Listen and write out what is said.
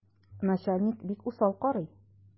Начальник бик усал карый.